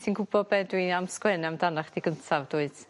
Ti'n gwbo be' dwi am sgwen amdanach chdi gyntaf dwyt?